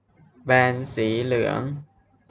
แบนสีเหลือง